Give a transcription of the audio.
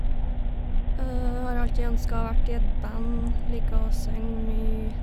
Har alltid ønsket å vært i et band, liker å søng mye.